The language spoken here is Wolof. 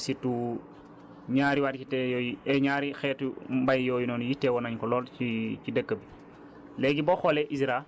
parce que gis nañ ne dëkk bi surtout ñaari variétés yooyu ñaari xeetu mbay yooyu noonu yittewoo nañ ko lool ci ci dëkk bi